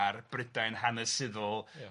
a'r Brydain hanesyddol,